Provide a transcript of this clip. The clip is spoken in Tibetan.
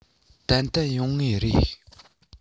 ཏན ཏན ཡོང ངེས རེད